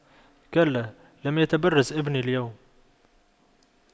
كلا لم يتبرز ابني اليوم